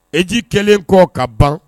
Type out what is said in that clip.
Eji kɛlen kɔ ka ban